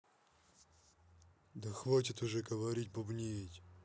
да хватит уже говорить бубнить